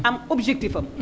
am objectif am